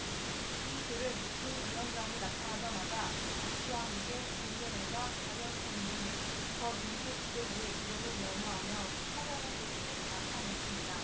이들은 김 위원장이 나타나자마자 박수와 함께 김종인과 박영선등 더민주 지도부의 이름을 연호하며 환영의 뜻을 나타냈습니다